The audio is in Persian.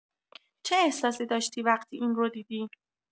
چه احساسی داشتی وقتی این رو دیدی؟